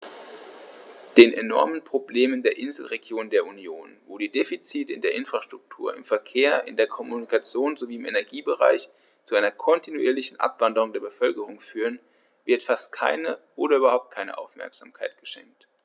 Den enormen Problemen der Inselregionen der Union, wo die Defizite in der Infrastruktur, im Verkehr, in der Kommunikation sowie im Energiebereich zu einer kontinuierlichen Abwanderung der Bevölkerung führen, wird fast keine oder überhaupt keine Aufmerksamkeit geschenkt.